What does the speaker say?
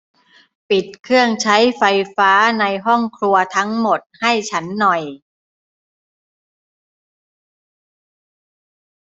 ปิดเครื่องใช้ไฟฟ้าในห้องครัวทั้งหมดให้ฉันหน่อย